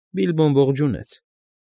Բիլբոն ողջունեց։